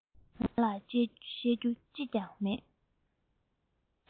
ང ལ བཤད རྒྱུ ཅི ཡང མེད